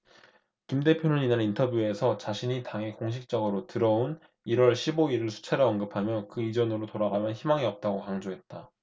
김 대표는 이날 인터뷰에서 자신이 당에 공식적으로 들어온 일 월 십 오 일을 수차례 언급하며 그 이전으로 돌아가면 희망이 없다고 강조했다